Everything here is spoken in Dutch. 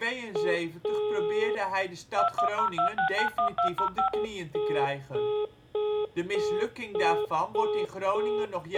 In 1672 probeerde hij de stad Groningen definitief op de knieën te krijgen. De mislukking daarvan wordt in Groningen nog